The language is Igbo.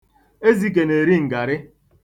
Ezike na-eri ngarị.